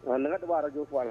A nana b' ara jo fɔ ye